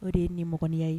O de ye ni mɔgɔniya ye